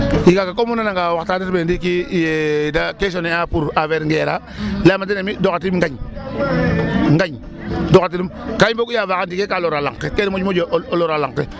II kaaga comme o nanangaan waxtaanes mene ndiki yee da question ne'aa pour affaire ngeera layaam a dene mi' doxatim ngañ ngañ doxatinum ka mboog'u ye a faaxa ndike ka loraa lanq ke kene moƴu moƴo loraa lanq ke .